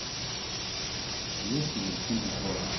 советский мультфильм крот